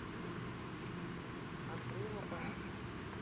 андрей луганский